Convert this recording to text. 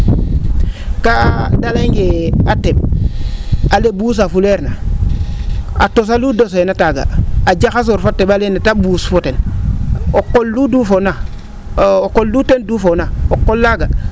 kaa de layong ee a te? ale ?uusafuleerna a tos alu doseena taaga a jaxasoor fa a te? aleene te ?uus fo ten o qol luu dufoona o qol luu teen dufoona o qol laaga